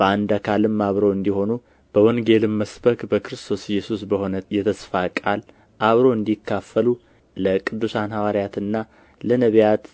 በአንድ አካልም አብረው እንዲሆኑ በወንጌልም መስበክ በክርስቶስ ኢየሱስ በሆነ የተስፋ ቃል አብረው እንዲካፈሉ ለቅዱሳን ሐዋርያትና ለነቢያት